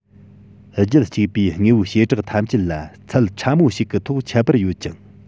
རྒྱུད གཅིག པའི དངོས པོའི བྱེ བྲག ཐམས ཅད ལ ཚད ཕྲ མོ ཞིག གི ཐོག ཁྱད པར ཡོད ཀྱང